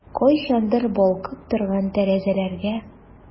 Кайчандыр балкып торган тәрәзәләргә...